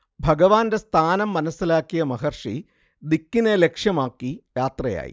ഭഗവാന്റെ സ്ഥാനം മനസ്സിലാക്കിയ മഹർഷി ദിക്കിനെ ലക്ഷ്യമാക്കി യാത്രയായി